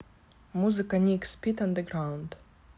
музыка nick speed underground